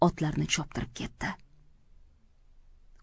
otlarni choptirib ketdi